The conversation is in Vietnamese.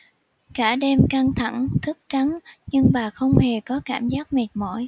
cả đêm căng thẳng thức trắng nhưng bà không hề có cảm giác mệt mỏi